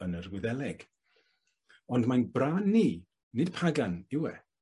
yn yr Wyddeleg. Ond mae'n Bran ni, nid pagan yw e.